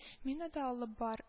— мине дә алып бар